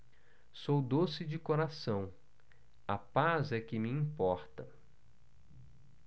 sou doce de coração a paz é que me importa